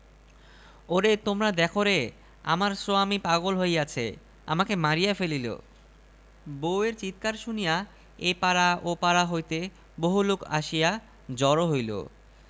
ওরে তোমরা দেখরে আমার সোয়ামী পাগল হইয়াছে আমাকে মারিয়া ফেলিল বউ এর চিৎকার শুনিয়া এ পাড়া ও পাড়া হইতে বহুলোক আসিয়া জড় হইল